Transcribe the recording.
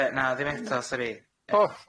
Yy na ddim eto sori.